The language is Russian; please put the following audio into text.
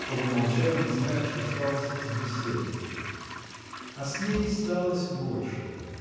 Оба молчали, не зная, что сталось с беседкой. А с ней сталось вот что.